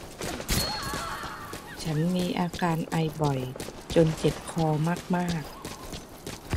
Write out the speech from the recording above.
ฉันมีอาการไอบ่อยจนเจ็บคอมากมาก